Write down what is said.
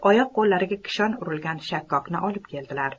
oyoq qo'llariga kishan urilgan shakkokni olib keldilar